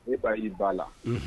E ba i ba la